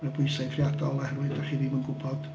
Ma' 'na bwysau eithriadol oherwydd dach chi ddim yn gwbod...